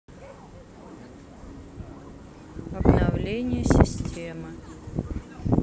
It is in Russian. обновление системы